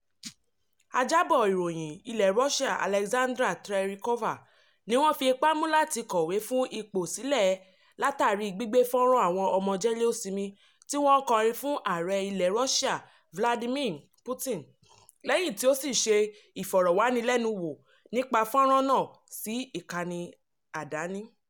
Ajábọ̀ ìròyìn ilẹ̀ Russia Alexandra Terikova ni wọ́n fi ipá mú láti kọ̀wé fi ipò sílẹ̀ látàrí gbígbé fọ́nrán àwọn ọmọ jẹ́léósinmi tí wọ́n ń kọrin fún ààrẹ ilẹ̀ Russia Vladimir Putin lẹ́yìn tí ó sì ṣe Ìfọ̀rọ̀wánilẹ́nuwò nípa fọ́nrán náà sí ìkànnì àdáni.